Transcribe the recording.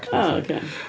O oce.